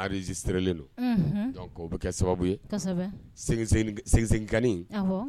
Aliz seralen don' bɛ kɛ sababu yeseni